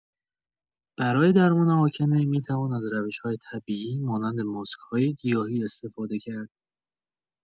برای درمان آکنه می‌توان از روش‌های طبیعی مانند ماسک‌های گیاهی استفاده کرد.